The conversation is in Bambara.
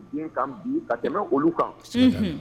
Den ka bi ka tɛmɛ olu kan sin